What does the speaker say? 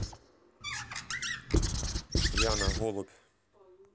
яна голубь